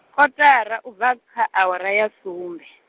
kotara u bva kha awara ya sumbe.